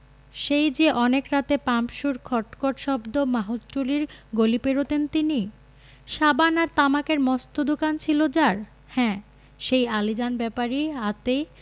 সেই যে অনেক রাতে পাম্পসুর খট খট শব্দ মাহুতটুলির গলি পেরুতেন তিনি সাবান আর তামাকের মস্ত দোকান ছিল যার হ্যাঁ সেই আলীজান ব্যাপারীর হাতেই